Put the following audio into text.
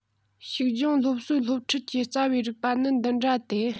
ཞུགས སྦྱོང སློབ གསོའི སློབ ཁྲིད ཀྱི རྩ བའི རིགས པ ནི འདི འདྲ སྟེ